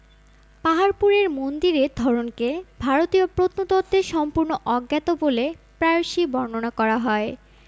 পাহাড়পুরের মন্দিরের ধরনকে ভারতীয় প্রত্নতত্ত্বে সম্পূর্ণ অজ্ঞাত বলে প্রায়শই বর্ণনা করা হয়